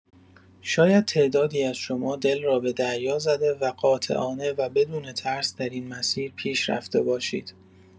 شاید تعدادی از شما دل را به دریا زده و قاطعانه و بدون ترس در این مسیر پیش رفته باشید.